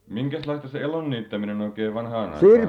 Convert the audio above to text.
minkäslaista se elon niittäminen oikein vanhaan aikaan oli